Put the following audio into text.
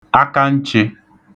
akanchị̄